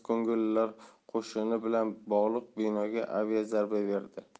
ko'ngillilar qo'shini bilan bog'liq binoga aviazarba berdi